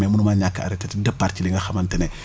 mais munu maa ñàkk a arrêté te départ ci li nga xamante ne